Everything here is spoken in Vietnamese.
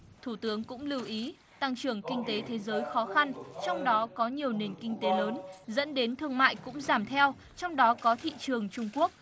thủ tướng cũng lưu ý tăng trưởng kinh tế thế giới khó khăn trong đó có nhiều nền kinh tế lớn dẫn đến thương mại cũng giảm theo trong đó có thị trường trung quốc